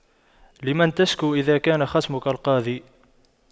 لمن تشكو إذا كان خصمك القاضي